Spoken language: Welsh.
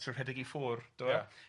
Trw rhedeg ei ffwr'... Do fe? ... ia.